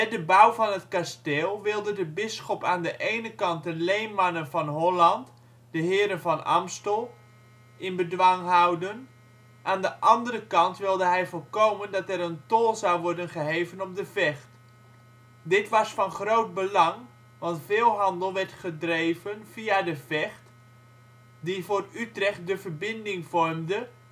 de bouw van het kasteel wilde de bisschop aan de ene kant de leenmannen van Holland (de Heren van Aemstel) in bedwang houden, aan de andere kant wilde hij voorkomen dat er een tol zou worden geheven op de Vecht. Dit was van groot belang, want veel handel werd gedreven via de Vecht die voor Utrecht de verbinding vormde